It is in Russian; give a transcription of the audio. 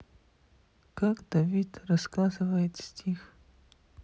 как давид рассказывает стих